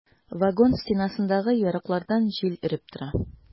Вагон стенасындагы ярыклардан җил өреп тора.